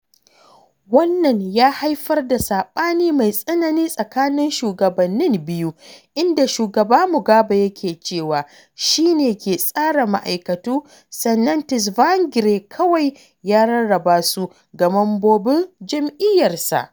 Wannan ya haifar da saɓani mai tsanani tsakanin shugabannin biyu, inda shugaba Mugabe yake cewa shi ne ke tsara ma'aikatu sannan Tsvangirai kawai ya rarraba su ga mambobin jam'iyyarsa.